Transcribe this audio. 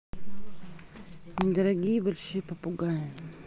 недорогие большие попугаи